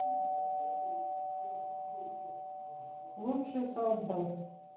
лучшие саундбары